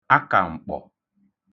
akàm̀kpọ̀